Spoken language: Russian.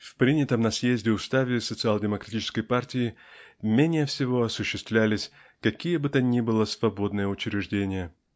В принятом на съезде уставе социал-демократической партии менее всего осуществлялись какие бы то ни было свободные учреждения.